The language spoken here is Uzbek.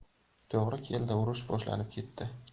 to'g'ri keldi urush boshlanib ketdi